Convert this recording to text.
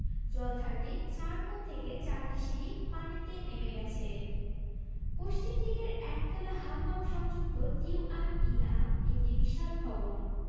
জলাধারটির চার কোণ থেকে চারটি সিঁড়ি পানিতে নেমে গেছে পশ্চিমদিকের একতলা হাম্মাম সংযুক্ত দীউয়ান ই আম একটি বিশাল ভবন